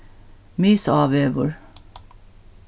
misávegur